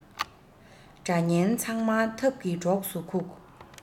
དགྲ གཉེན ཚང མ ཐབས ཀྱིས གྲོགས སུ ཁུག